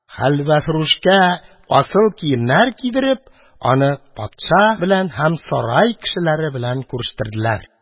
Хәлвәфрүшкә асыл киемнәр кидереп, аны патша белән һәм сарай кешеләре белән күрештерделәр.